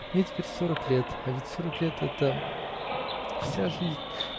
Мне теперь сорок лет, а ведь сорок лет - это вся жизнь